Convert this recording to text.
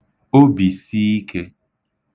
obìsiikē